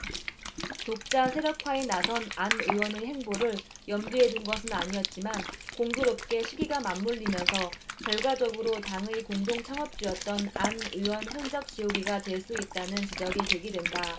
독자세력화에 나선 안 의원의 행보를 염두에 둔 것은 아니었지만 공교롭게 시기가 맞물리면서 결과적으로 당의 공동 창업주였던 안 의원 흔적 지우기가 될 수 있다는 지적이 제기된다